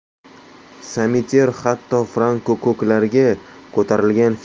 samityer hatto franko ko'klarga ko'tarilgan